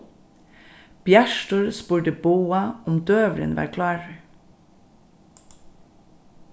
bjartur spurdi boga um døgurðin var klárur